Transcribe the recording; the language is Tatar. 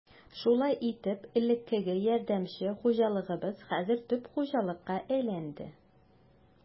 Шулай итеп, элеккеге ярдәмче хуҗалыгыбыз хәзер төп хуҗалыкка әйләнде.